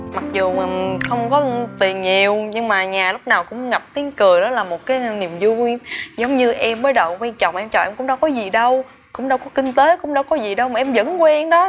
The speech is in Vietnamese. mặc dù không có tiền nhiều nhưng mà nhà lúc nào cũng ngập tiếng cười đó là một cái niềm vui giống như em mới đầu quen chồng em trời em cũng đâu có gì đâu cũng đâu có kinh tế cũng đâu có gì đâu mà em vẫn quen đó